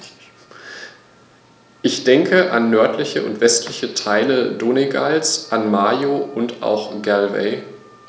Ich denke an nördliche und westliche Teile Donegals, an Mayo, und auch Galway.